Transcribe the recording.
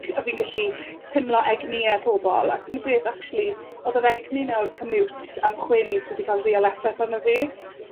a fi'n gallu... Hmm. ...temlo egnie pobol. A t'mo' beth, actually, odd yr egni 'na o'r comute am chwe mis wedi ca'l rial effeth arno fi.